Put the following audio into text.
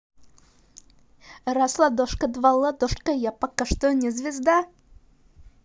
раз ладошка два ладошка я пока что не звезда